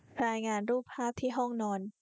รายงานรูปภาพที่ห้องนอน